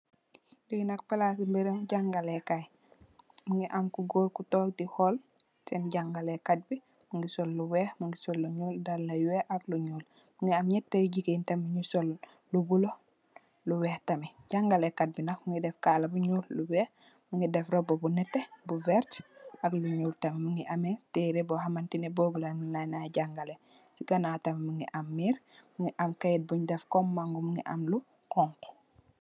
Lenak plase merem jagalekay muge am ku goor ku tonke te hol sen jagalekate be muge sol lu weex muge sol lu nuul dalla yu weex ak lu nuul muge am nyata yu jegain tamin nuge sol lu bulo lu weex tamin jagalekate be nak muge def kala bu nuul lu weex muge def rouba bu neteh bu verte ak lu nuul tamin muge ameh tereh bu hamne bobu lalena jagale se ganaw tam muge am merr am kayete bun def kom mango muge def lu xonxo.